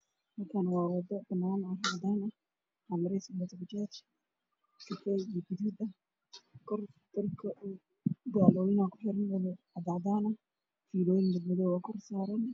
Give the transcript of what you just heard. Halkaan waa wado banaan oo cadaan ah waxaa mareyso mooto bajaaj kafay iyo gaduud ah korna maro cad ayaa ogaxiran, iyo fiilooyin madow ah.